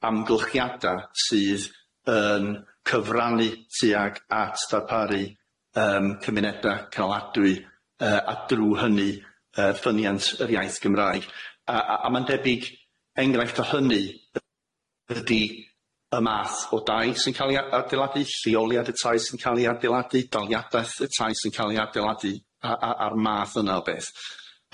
amgylchiada sydd yn cyfrannu tuag at darparu yym cymuneda canoladwy yy a drw hynny yy ffyniant yr iaith Gymraeg a a a ma'n debyg enghraifft o hynny ydy y math o dai sy'n ca'l i a- adeiladu, lleoliad y tai sy'n ca'l i adeiladu, daliadaeth y tai sy'n ca'l i adeiladu a- a- a'r math yna o beth.